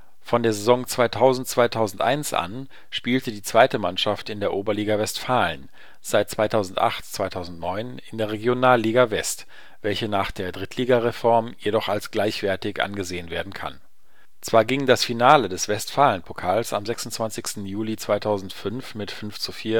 Von der Saison 2000/2001 an spielte die zweite Mannschaft in der Oberliga Westfalen, seit 2008/09 in der Regionalliga West, welche nach der Drittligareform jedoch als gleichwertig angesehen werden kann. Zwar ging das Finale des Westfalenpokals am 26. Juli 2005 mit 5:4 (n.E.